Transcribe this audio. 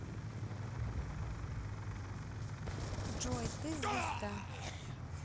джой ты звезда